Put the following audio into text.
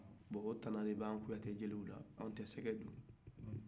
bon o tana de bɛ an kouyate jeliw la